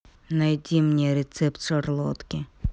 найди мне рецепт шарлотки